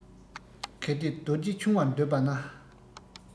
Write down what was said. གལ ཏེ རྡོ རྗེ ཆུང བར འདོད པ ན